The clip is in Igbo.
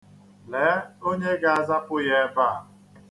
Lee onye ga-azapụ ya ebe a.